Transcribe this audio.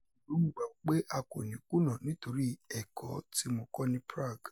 Ṣùgbọ́n mo gbàgbọ́ pé a kò ní kùnà, nítorí ẹ̀kọ́ tí mo kọ̀ ní Prague.